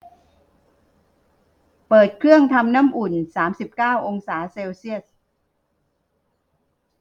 เปิดเครื่องทำน้ำอุ่นสามสิบเก้าองศาเซลเซียส